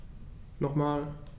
Nochmal.